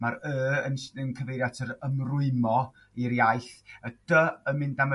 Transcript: ma'r yy yn cyfeirio at yr ymrwymo i'r iaith y dy yn mynd am y